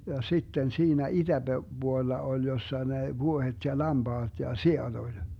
ja sitten siinä - itäpuolella oli jossa ne vuohet ja lampaat ja siat oli